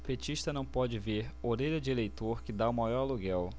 petista não pode ver orelha de eleitor que tá o maior aluguel